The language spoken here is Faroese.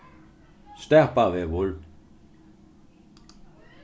stapavegur